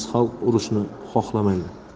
xalq urushni xohlamaydi